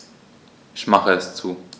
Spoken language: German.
Ich mache es zu.